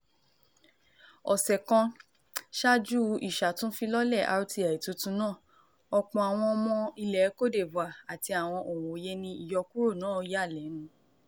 Ọ̀sẹ̀ kan ṣáájú ìṣàtúnfilọ́lẹ̀ RTI tuntun náà, ọ̀pọ̀ àwọn ọmọ ilẹ̀ Cote d'Ivoire àti àwọn òǹwòye ni ìyọkúrò náà yà lẹ́nu.